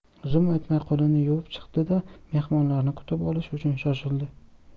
zum o'tmay qo'lini yuvib chiqdi da mehmonlarni kutib olish uchun shoshildi